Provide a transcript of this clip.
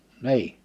niin